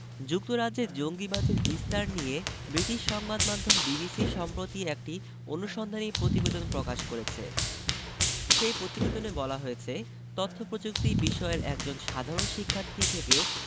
যুক্তরাজ্যে জঙ্গিবাদের বিস্তার নিয়ে ব্রিটিশ সংবাদমাধ্যম বিবিসি সম্প্রতি একটি অনুসন্ধানী প্রতিবেদন প্রকাশ করেছে সেই প্রতিবেদনে বলা হয়েছে তথ্যপ্রযুক্তি বিষয়ের একজন সাধারণ শিক্ষার্থী থেকে